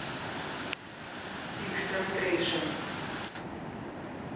x тентейшн